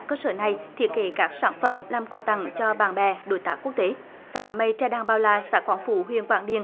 cơ sở này thiết kế các sản phẩm làm quà tặng cho bạn bè đối tác quốc tế xã mây tre đan bao la xã quảng phú huyện quảng điền